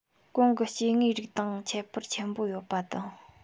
གོང གི སྐྱེ དངོས རིགས དང ཁྱད པར ཆེན པོ ཡོད པ དང